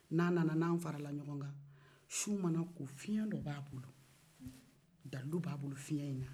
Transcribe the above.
n'an nana n'an farala ɲɔgɔn kan su mana ko fiyɛn dɔ b'a bolo dalilu b'a bolo fiyɛn